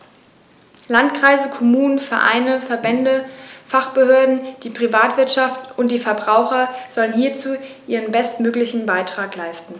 Landkreise, Kommunen, Vereine, Verbände, Fachbehörden, die Privatwirtschaft und die Verbraucher sollen hierzu ihren bestmöglichen Beitrag leisten.